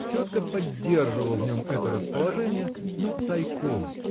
Тетка поддерживала в нем это расположение но тайком